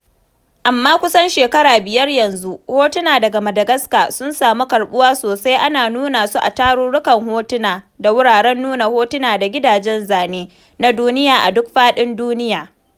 Amma kusan shekaru biyar yanzu, hotuna daga Madagascar sun samu karɓuwa sosai kuma ana nuna su a tarurrukan hotuna da wuraren nuna hotuna da gidajen zane-zane na duniya a duk faɗin duniya.